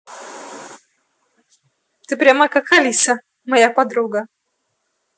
ты прямо как алиса моя подруга